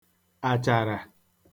àchàrà